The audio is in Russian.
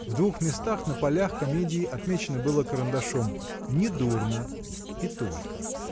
В двух местах на полях комедии отмечено было карандашом Недурно – и только.